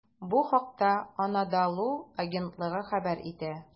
Бу хакта "Анадолу" агентлыгы хәбәр итә.